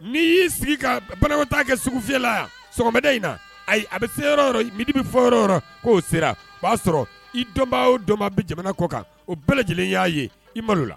N'i y'i sigi ka banako ta kɛ segu fiyɛla yan sɔgɔmada in na ayi a bɛ se yɔrɔ yɔrɔ min bɛ fɔ yɔrɔ k'o sera o b'a sɔrɔ i dɔnbaa o dɔn bɛ jamana kɔ kan o bɛɛ lajɛlen y'a ye i malo la